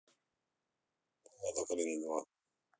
лада калина два